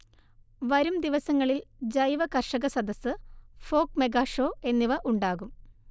വരുംദിവസങ്ങളിൽ ജൈവകർഷകസദസ്സ്, folk mega show എന്നിവ ഉണ്ടാകും